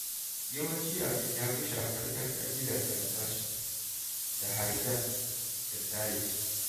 Yawanci abin ya fi shafar 'yan ƙabilar Adivasi da Harijan da Dalit.